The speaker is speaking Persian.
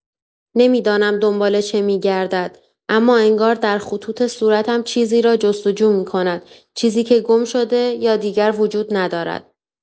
نمی‌دانم دنبال چه می‌گردد، اما انگار در خطوط صورتم چیزی را جست‌وجو می‌کند، چیزی که گم شده یا دیگر وجود ندارد.